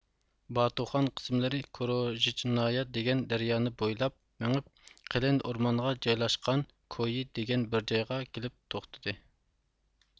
باتۇخان قىسىملىرى كوروژىچنايا دېگەن دەريانى بويلاپ مېڭىپ قېلىن ئورمانغا جايلاشقان كويى دېگەن بىر جايغا كېلىپ توختىدى